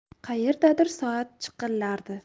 qayerdadir soat chiqillardi